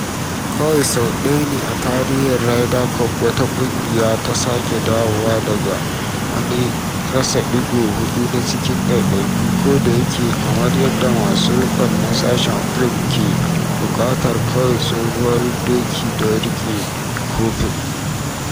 Kawai sau ɗaya ne a tarihin Ryder Cup wata ƙungiya ta sake dawowa daga wani rasa ɗigo huɗu a cikin ɗaiɗaiku, kodayake kamar yadda masu riƙon na sashen Furyk ke buƙatar kawai tsayuwar doki don riƙe kofin.